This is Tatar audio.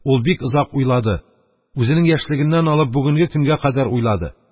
Ул бик озак уйлады; үзенең яшьлегеннән алып бүгенге көнгә кадәр уйлады.